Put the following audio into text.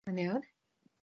Yn iawn.